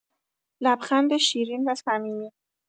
لبخند شیرین و صمیمی